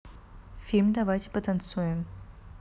фильм давайте потанцуем